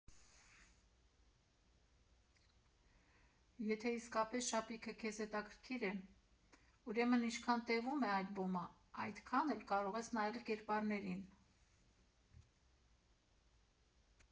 Եթե իսկապես շապիկը քեզ հետաքրքրիր է, ուրեմն ինչքան տևում է ալբոմը, այդքան էլ կարող ես նայել կերպարներին։